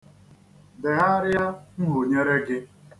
Degharịa nhunyere gị.